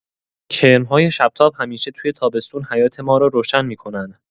کرم‌های شب‌تاب همیشه توی تابستون حیاط ما رو روشن می‌کنن.